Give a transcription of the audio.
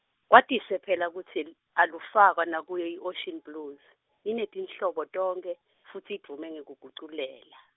kwatise phela kutsi l-, alufakwa nakuyo i- Ocean Blues inetinhlobo tonkhe futsi idvume ngekuguculela.